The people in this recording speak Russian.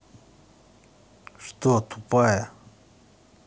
что тупая